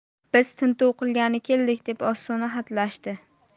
biz tintuv qilgani keldik deb ostona hatlashdi